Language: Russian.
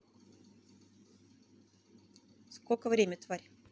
сколько время тварь